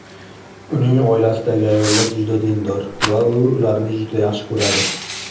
uning oilasidagi ayollar juda dindor va u ularni juda yaxshi ko'radi